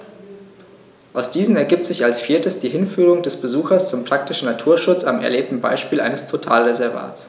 Aus diesen ergibt sich als viertes die Hinführung des Besuchers zum praktischen Naturschutz am erlebten Beispiel eines Totalreservats.